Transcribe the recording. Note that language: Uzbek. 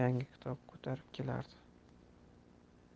yangi kitob ko'tarib kelardi